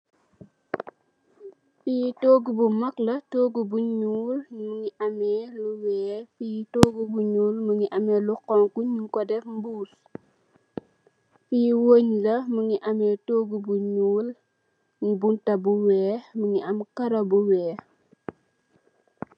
Fee toogu bu mag la toogu bu nuul muge ameh lu weex fe toogu bu nuul muge ameh lu xonxo nugku def muss fee weah la muge ameh toogu bu nuul bunta bu weex muge am karou bu weex.